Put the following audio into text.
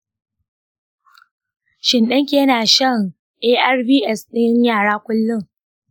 shin ɗanki yana shan arvs ɗin yara kullun?